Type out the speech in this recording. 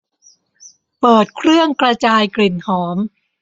เปิดเครื่องกระจายกลิ่นหอม